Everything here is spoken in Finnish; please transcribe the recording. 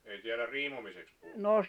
ei täällä riimomiseksi puhuttu